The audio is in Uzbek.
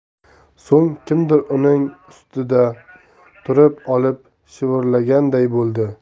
so'ng kimdir uning ustida turib olib shivirlaganday bo'ldi